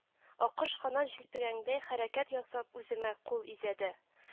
Аккош канат җилпегәңдәй хәрәкәт ясап үземә кул изәде